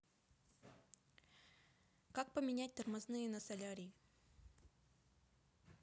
как поменять тормозные на солярий